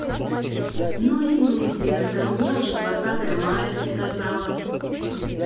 ну и ну детка мне уже двадцатое мая ты сказала